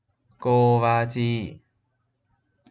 โกวาจี